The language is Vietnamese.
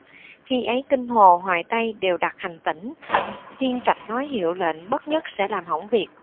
khi ấy kinh hồ hoài tây đều đặt hành tỉnh thiên trạch nói hiệu lệnh bất nhất sẽ làm hỏng việc